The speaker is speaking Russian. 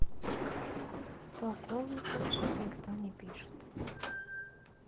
полковнику никто не пишет